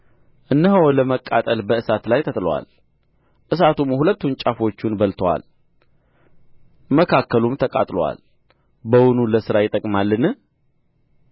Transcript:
እነሆ ለመቃጠል በእሳት ላይ ተጥሎአል እሳቱም ሁለቱን ጫፎቹን በልቶአል መካከሉም ተቃጥሎአል በውኑ ለሥራ ይጠቅማልን